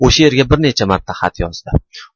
o'sha yerga bir necha marta xat yozdi